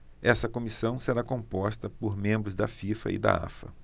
essa comissão será composta por membros da fifa e da afa